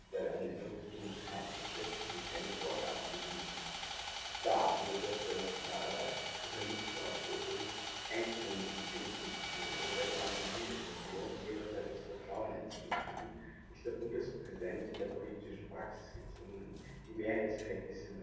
Ernennung des Bundeskanzlers rechtlich an keine Vorgaben gebunden. Da jedoch der Nationalrat durch ein Misstrauensvotum einzelnen Regierungsmitgliedern oder der gesamten Bundesregierung jederzeit das Vertrauen entziehen kann, ist der Bundespräsident in der politischen Praxis gezwungen, die Mehrheitsverhältnisse im Nationalrat